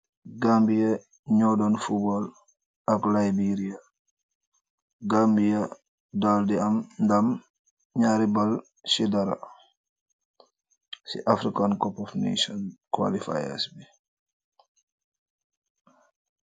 Gambia nyu doon fudbal ak liberia Gambia dal di am ndam naari bal shidara ci African cop of nation qualifiers bi.